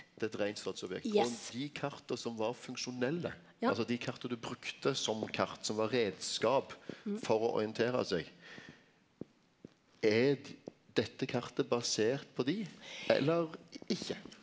det er eit reint statusobjekt og dei karta som var funksjonelle, altså dei karta du brukte som kart som var reiskap for å orientere seg, er dette kartet basert på dei eller ikkje?